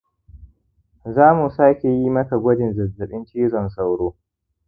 zamu sake yi maka gwajin zazzabin cizon sauro